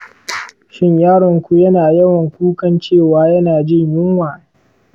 shin yaronku yana yawan kukan cewa yana jin yunwa?